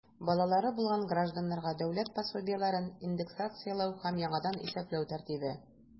Балалары булган гражданнарга дәүләт пособиеләрен индексацияләү һәм яңадан исәпләү тәртибе.